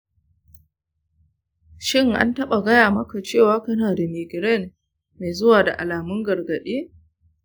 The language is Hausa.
shin an taɓa gaya maka cewa kana da migraine mai zuwa da alamun gargaɗi ?